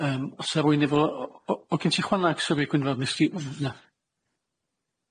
Yym osa rywun efo o- o- o- gen ti chwanag sori Gwynfod nes di yy